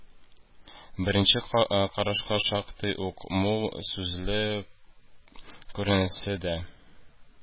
Беренче карашка шактый ук мул сүзле күренсә дә,